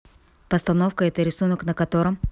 постановка это рисунок на котором